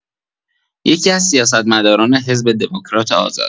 یکی‌از سیاستمداران حزب دموکرات آزاد